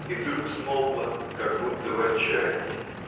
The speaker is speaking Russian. И вдруг смолкла, как будто в отчаянии.